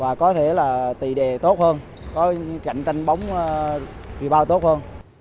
và có thể là tì đè tốt hơn có cạnh tranh bóng a bi bao tốt hơn